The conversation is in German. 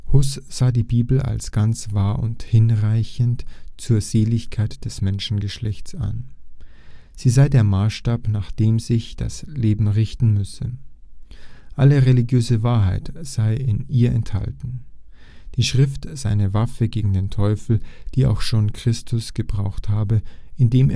Hus sah die Bibel als „ ganz wahr und hinreichend zur Seligkeit des Menschengeschlechts “an. Sie sei der Maßstab, nach dem sich das Leben richten müsse. Alle religiöse Wahrheit sei in ihr enthalten. Die Schrift sei eine Waffe gegen den Teufel, die auch schon Christus gebraucht habe, indem